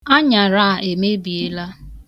Aṅara a emebiela.